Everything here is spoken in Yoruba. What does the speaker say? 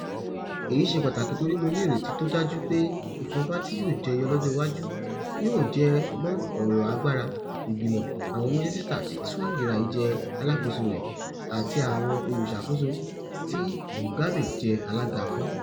Èyí ṣe pàtàkì torí mo ní ìrètí tó dájú pé ìfaǹfà tí yòó jẹyọ lọ́jọ́ iwájú yóò jẹ mọ́ ọ̀rọ̀ agbára ìgbimọ̀ àwọn mínísítà tí Tsvangirai jẹ́ alákoso rẹ̀, àti àwọn olùṣakoso tí Mugabe jẹ́ alága fún.